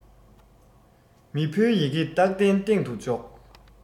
མི ཕོའི ཡི གེ སྟག གདན སྟེང དུ འཇོག